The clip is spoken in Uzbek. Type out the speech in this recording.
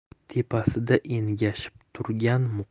tepasida engashib turgan